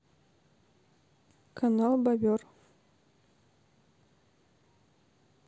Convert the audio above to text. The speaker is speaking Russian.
канал бобер